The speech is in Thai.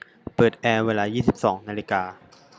เปิดแอร์เวลายี่สิบสองนาฬิกา